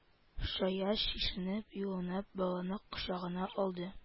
Шаяз чишенеп юынып баланы кочагына алды